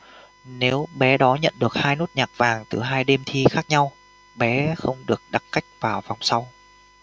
nếu bé đó nhận được hai nốt nhạc vàng từ hai đêm thi khác nhau bé không được đặc cách vào vòng sau